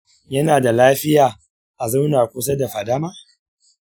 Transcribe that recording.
yana da lafiya a zauna kusa da fadama?